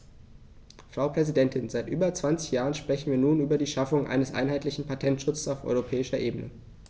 Frau Präsidentin, seit über 20 Jahren sprechen wir nun über die Schaffung eines einheitlichen Patentschutzes auf europäischer Ebene.